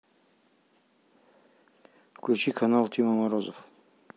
включи канал тима морозов